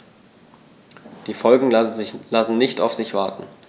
Die Folgen lassen nicht auf sich warten.